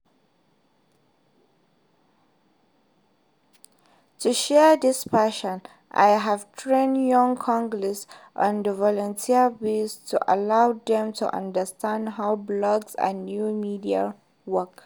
To share this passion, I've trained young Congolese on a volunteer basis to allow them to understand how blogs and new media work.